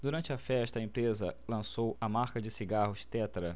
durante a festa a empresa lançou a marca de cigarros tetra